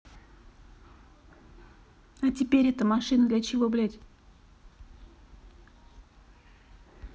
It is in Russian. а теперь это машина для чего блядь